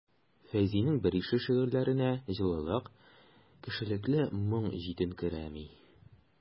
Фәйзинең берише шигырьләренә җылылык, кешелекле моң җитенкерәми.